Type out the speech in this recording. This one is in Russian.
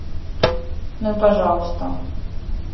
ну и пожалуйста